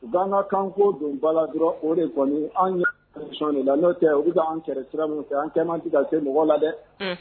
U g kan ko don bala la dɔrɔn o de kɔni an de la n'o cɛ u bɛ' anan cɛ sira min fɛ an kɛ tigɛ kɛ mɔgɔ la dɛ